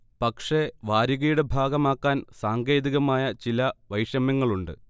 പക്ഷെ വാരികയുടെ ഭാഗമാക്കാൻ സാങ്കേതികമായ ചില വൈഷമ്യങ്ങളുണ്ട്